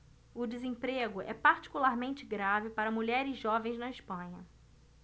o desemprego é particularmente grave para mulheres jovens na espanha